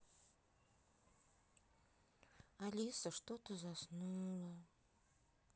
алиса что то заснула